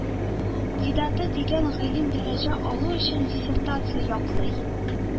Дидаты дигән гыйльми дәрәҗә алу өчен диссертация яклый